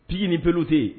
P ni pete